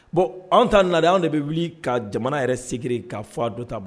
Bon anw ta in na anw de bɛ wuli ka jamana yɛrɛ sekere ka fɔ a do ta